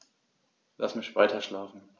Lass mich weiterschlafen.